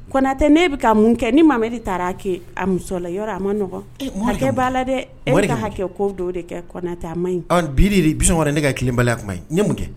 Konatɛ ne bɛ ka mun kɛ ni Mamadi taar'a kɛ a muso la yɔrɔ a nɔgɔ, hakɛ b'a la dɛ, e dun ka hakɛ ko dɔ de kɛ Konatɛ a maɲi